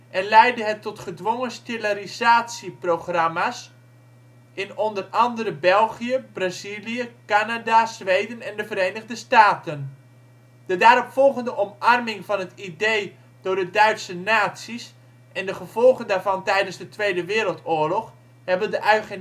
en leidde het tot gedwongen sterilisatieprogramma 's in onder andere België, Brazilië, Canada, Zweden en de Verenigde Staten. De daaropvolgende omarming van het idee door de Duitse nazi 's en de gevolgen daarvan tijdens de Tweede Wereldoorlog hebben